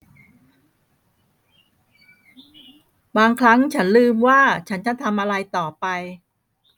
บางครั้งฉันลืมว่าฉันจะทำอะไรต่อไป